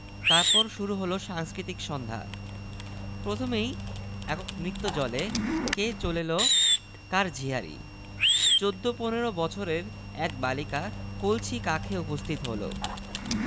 আমি অবাক হয়ে ভাবছি জল ভর্তি কলস নিয়ে জল আনতে যাবার প্রয়ােজনটি কি ঠিক তখন কনসি নিয়ে সে আছাড় খেলো